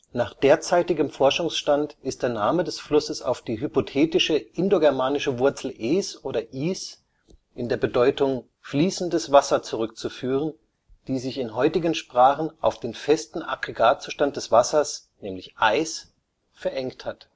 Nach derzeitigem Forschungsstand ist der Name des Flusses auf die hypothetische indogermanische Wurzel es oder is in der Bedeutung „ (fließendes) Wasser “zurückzuführen, die sich in heutigen Sprachen auf den festen Aggregatzustand des Wassers („ Eis “) verengt hat